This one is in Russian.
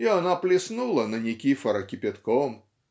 и она плеснула на Никифора кипятком.